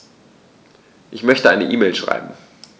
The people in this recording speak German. Ich möchte eine E-Mail schreiben.